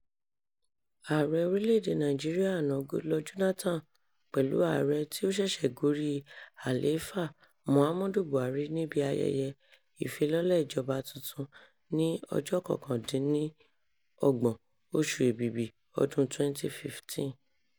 Ààrẹ orílẹ̀-èdè Nàìjíríà àná Goodluck Jonathan with pẹ̀lú Ààrẹ tí ó ṣẹ̀ṣẹ̀ gorí àlééfà Muhammadu Buhari níbi ayẹyẹ ìfilọ́lẹ̀ ìjọba tuntun ní ọjọ́ 29, oṣù Èbìbì, ọdún 2015.